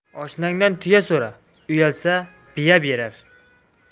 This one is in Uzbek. oshnangdan tuya so'ra uyalsa biya berar